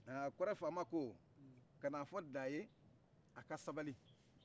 kɔrɛ fama ko kana fɔ da y' a ka sabali